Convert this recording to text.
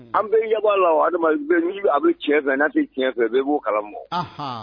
An bɛ ɲɛbɔ la adama' a bɛ tiɲɛ fɛ n'a tɛ tiɲɛ fɛ bɛɛ b'o kala mɔ